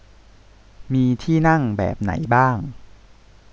มีที่นั่งแบบไหนบ้าง